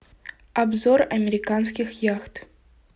обзор американских яхт